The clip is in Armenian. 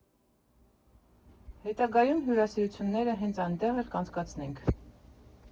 Հետագայում հյուրասիրությունները հենց այնտեղ էլ կանցկացնենք։